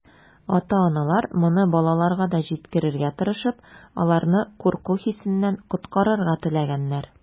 Ата-аналар, моны балаларга да җиткерергә тырышып, аларны курку хисеннән коткарырга теләгәннәр.